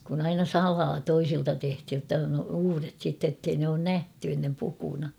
kun aina salaa toisilta tehtiin jotta on uudet sitten että ei ne ole nähty ennen pukuna